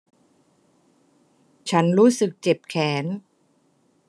ฉันรู้สึกเจ็บแขน